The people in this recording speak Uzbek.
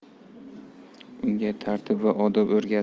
unga tartib va odob o'rgat